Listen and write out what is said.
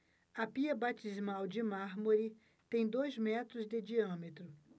a pia batismal de mármore tem dois metros de diâmetro